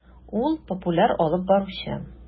Ул - популяр алып баручы.